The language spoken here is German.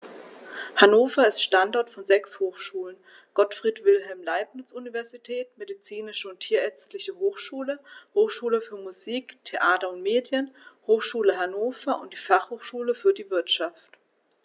Hannover ist Standort von sechs Hochschulen: Gottfried Wilhelm Leibniz Universität, Medizinische und Tierärztliche Hochschule, Hochschule für Musik, Theater und Medien, Hochschule Hannover und die Fachhochschule für die Wirtschaft.